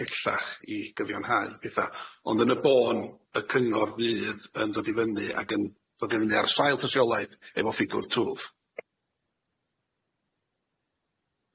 pellach i gyfiawnhau petha ond yn y bôn y cyngor fydd yn dod i fyny ag yn dod i fyny ar sail tasiolaeth efo ffigwr trwf.